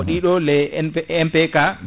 ko ɗiɗo les MP MPK